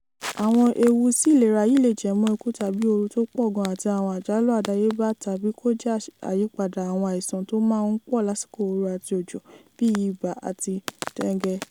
Àwọn onímọ̀ọ́ṣe wí pé a ti rí àwọn àpẹẹrẹ ipa yìí, láti àwọn àjàkálẹ̀ àrùn onígbáméjì ní Bangladesh sí ibà Rift Valley ní orílẹ̀ Áfíríkà.